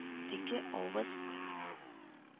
Теге авыз